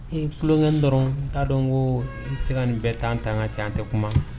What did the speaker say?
Ee tulonkɛ dɔrɔn t'a dɔn ko se bɛ tan tan ka ca tɛ kuma